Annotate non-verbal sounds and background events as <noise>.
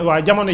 <hesitation> <hesitation>